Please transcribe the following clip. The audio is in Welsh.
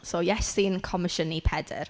So, Iesu'n comisiynu Pedr.